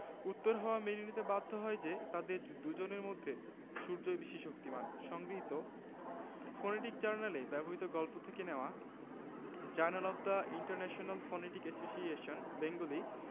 উত্তর হাওয়া মেনে নিতে বাধ্য হয় যে তাদের দুজনের মধ্যে সূর্যই বেশি শক্তিমান সংগৃহীত ফনেটিক জার্নালে ব্যবহিত গল্প থেকে নেওয়া journal of the international phonetic association Bengali